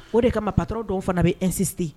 O de kama patron dɔw fana bɛ insister